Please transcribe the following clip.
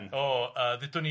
O yy ddeudwn ni.